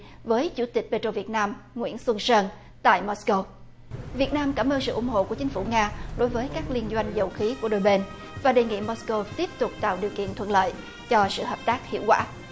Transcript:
với chủ tịch pê trô việt nam nguyễn xuân sơn tại mát câu việt nam cảm ơn sự ủng hộ của chính phủ nga đối với các liên doanh dầu khí của đôi bên và đề nghị mót câu tiếp tục tạo điều kiện thuận lợi cho sự hợp tác hiệu quả